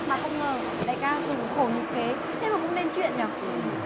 mà không ngờ đại ca dùng khổ nhục kế thế mà cũng nên chuyện nhở